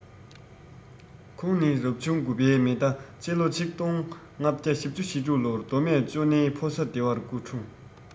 ཁོང ནི རབ བྱུང དགུ བའི མེ རྟ ཕྱི ལོ ༡༥༤༦ ལོར མདོ སྨད ཅོ ནེའི ཕོ ས སྡེ བར སྐུ འཁྲུངས